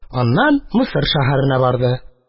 Аннан Мисыр шәһәренә барды.